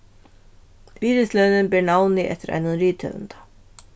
virðislønin ber navnið eftir einum rithøvunda